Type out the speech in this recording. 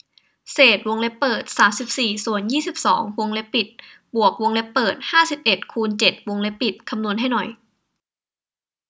เศษวงเล็บเปิดสามสิบสี่ส่วนยี่สิบสองวงเล็บปิดบวกวงเล็บเปิดห้าสิบเอ็ดคูณเจ็ดวงเล็บปิดคำนวณให้หน่อย